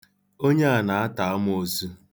Onye a na-ata amoosu.